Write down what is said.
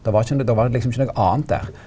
der var ikkje da var der liksom ikkje noko anna der.